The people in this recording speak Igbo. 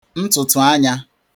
ntụ̀tụ̀anya